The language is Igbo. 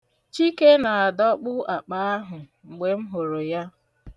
Chike na-adọkpụ akpa ahụ mgbe m hụrụ ya.